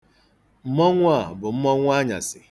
Mmọnwụ a bụ mmọnwụ anyasị.